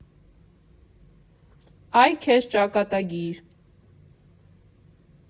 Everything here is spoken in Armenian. Ա՜յ քեզ ճակատագիր։